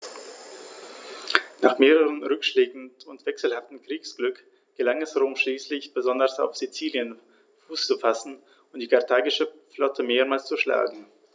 Nach mehreren Rückschlägen und wechselhaftem Kriegsglück gelang es Rom schließlich, besonders auf Sizilien Fuß zu fassen und die karthagische Flotte mehrmals zu schlagen.